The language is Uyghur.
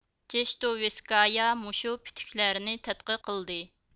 جېشتوۋېسكايا مۇشۇ پۈتۈكلەرنى تەتقىق قىلدى